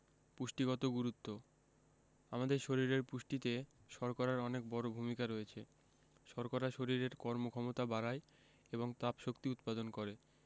পুষ্টিগত গুরুত্ব আমাদের শরীরের পুষ্টিতে শর্করার অনেক বড় ভূমিকা রয়েছে শর্করা শরীরের কর্মক্ষমতা বাড়ায় এবং তাপশক্তি উৎপাদন করে